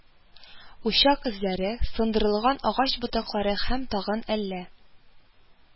Учак эзләре, сындырылган агач ботаклары һәм тагын әллә